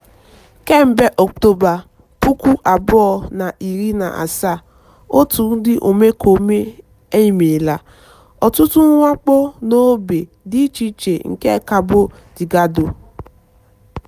Kemgbe Ọktoba 2017, òtù ndị omekome a emeela ọtụtụ mwakpo n'ógbè dị icheiche nke Cabo Delgado.